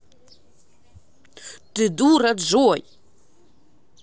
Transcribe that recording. ты дура джой